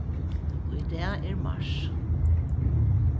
í dag er mars